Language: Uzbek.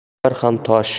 ular ham tosh